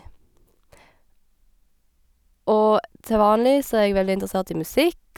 Og til vanlig så er jeg veldig interessert i musikk.